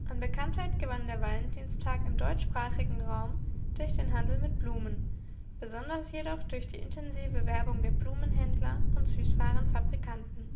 Bekanntheit gewann der Valentinstag im deutschsprachigen Raum durch den Handel mit Blumen, besonders jedoch durch die intensive Werbung der Blumenhändler und Süßwarenfabrikanten